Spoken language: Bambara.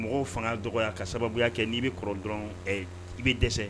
Mɔgɔw fanga dɔgɔya ka sababu kɛ n'i bɛ kɔrɔ dɔrɔn i bɛ dɛsɛ